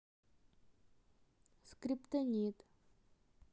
скриптонит